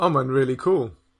O ma'n rili cŵl.